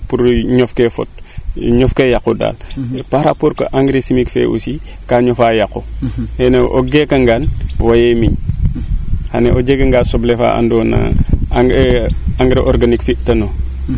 pour ñof kee yaqu daal par rapport fo engrais chimique fee aussi kaa ñofa yaqu kene o geeka ngaan waree miñ xana o jega ngaa soble faa andoo na engrais organique fi tano